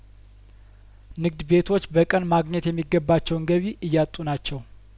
ንግድ ቤቶች በቀን ማግኘት የሚገባቸውን ገቢ እያጡ ናቸው